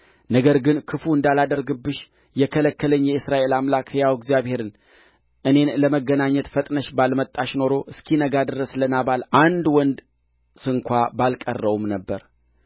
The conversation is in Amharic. ነገር ግን ክፉ እንዳላደርግብሽ የከለከለኝ የእስራኤል አምላክ ሕያው እግዚአብሔርን እኔን ለመገናኘት ፈጥነሽ ባልመጣሽ ኖሮ እስኪነጋ ድረስ ለናባል አንድ ወንድ ስንኳ ባልቀረውም ነበር